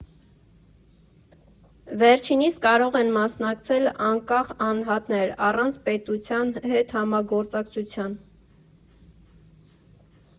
Վերջինիս կարող են մասնակցել անկախ անհատներ՝ առանց պետության հետ համագործակցության։